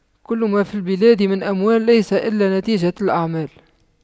كل ما في البلاد من أموال ليس إلا نتيجة الأعمال